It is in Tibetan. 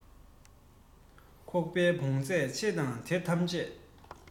ཁོག པའི བོངས ཚད ཆེ ཡང དེ ཐམས ཅད